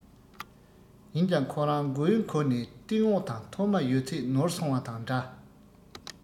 ཡིན ཀྱང ཁོ རང མགོ ཡུ འཁོར ནས སྟེང འོག དང མཐོ དམའ ཡོད ཚད ནོར སོང བ དང འདྲ